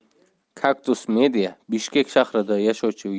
kaktus media bishkek shahrida yashovchi